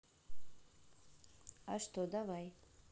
а что давать